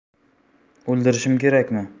o'ldirishim kerakmi